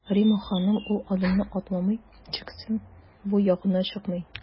Римма ханым ул адымны атламый, чикнең бу ягына чыкмый.